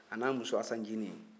a n'a muso asan ncinin